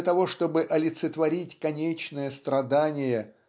для того чтобы олицетворить конечное страдание